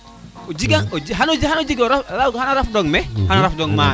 o jegxano jeg xana xana raf dong me xana raf dong mana